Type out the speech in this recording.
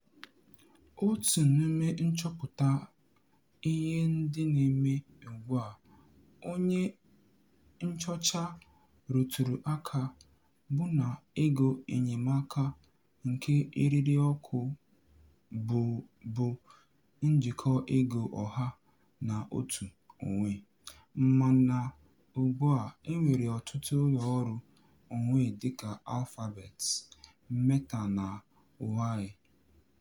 Otu n'ime nchọpụta ihe ndị na-eme ugbua onye nchọcha rụtụrụ aka bụ na ego enyemaaka nke erịrịọkụ bụbu njikọ ego ọha na òtù onwe, mana ugbua e nwere ọtụtụ ụlọọrụ onwe dịka Alphabet, Meta na Huawei.